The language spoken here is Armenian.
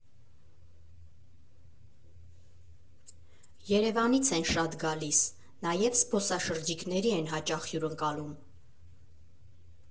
Երևանից են շատ գալիս, նաև զբոսաշրջիկների են հաճախ հյուրընկալում։